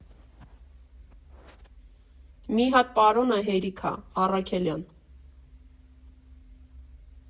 ֊ Մի հատ պարոնը հերիք ա, Առաքելյան…